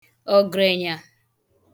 ọgreènyà